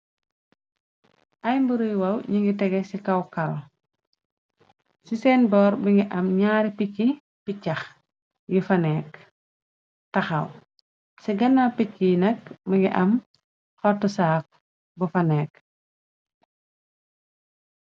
Ayy mburu yu wow njungy tehgeh cii kaw karoh, cii sen bohrr mungy am njaari pitchi pitcha yufa nekk takhaw, cii ganaw pitchi yii nak mungy am hoortu saaku bufa nekkue.